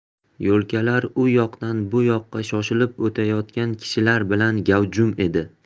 yo'lkalar u yoqdan bu yoqqa shoshilib o'tayotgan kishilar bilan gavjum edi